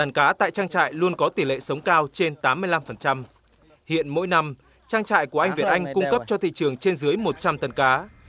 đàn cá tại trang trại luôn có tỷ lệ sống cao trên tám mươi lăm phần trăm hiện mỗi năm trang trại của anh việt anh cung cấp cho thị trường trên dưới một trăm tấn cá